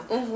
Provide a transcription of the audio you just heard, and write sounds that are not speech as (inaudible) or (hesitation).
(hesitation) (hesitation)